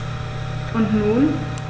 Und nun?